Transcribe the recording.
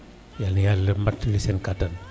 yàlla na yàlla motali seen kattan